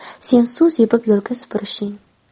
sen suv sepib yo'lka supurishing